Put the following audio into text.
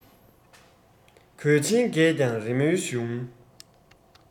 གོས ཆེན རྒས ཀྱང རི མོའི གཞུང